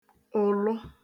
ụ̀lụ